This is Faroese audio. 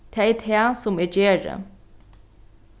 tað er tað sum eg geri